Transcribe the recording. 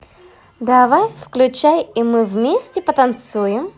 давай включай и мы вместе потанцуем